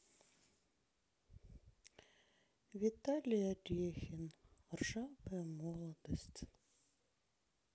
виталий орехин ржавая молодость